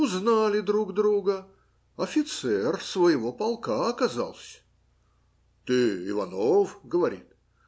Узнали друг друга: офицер своего полка оказался. - Ты Иванов? - говорит.